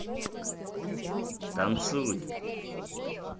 танцуй